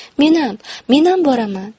menam menam boraman